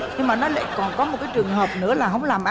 nhưng mà nó lại còn có một cái trường hợp nữa là hông làm ăn